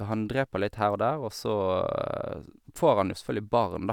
Han dreper litt her og der, og så får han jo selvfølgelig barn, da.